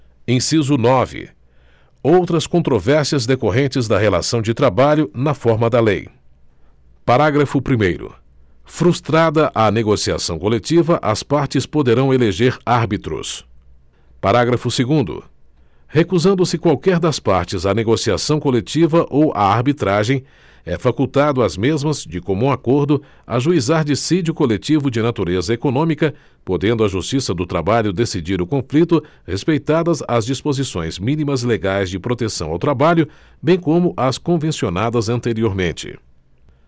inciso nove outras controvérsias decorrentes da relação de trabalho na forma da lei parágrafo primeiro frustrada a negociação coletiva as partes poderão eleger árbitros parágrafo segundo recusando se qualquer das partes à negociação coletiva ou à arbitragem é facultado às mesmas de comum acordo ajuizar dissídio coletivo de natureza econômica podendo a justiça do trabalho decidir o conflito respeitadas as disposições mínimas legais de proteção ao trabalho bem como as convencionadas anteriormente